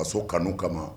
Faso kanu kama.